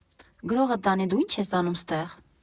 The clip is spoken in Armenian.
Գրողը տանի, դու ի՞նչ ես անում ստեղ։